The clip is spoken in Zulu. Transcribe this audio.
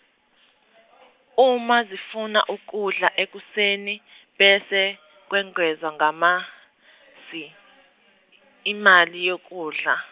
uma zifuna ukudla ekuseni, bese kwengezwa ngamasi i- imali yokudla.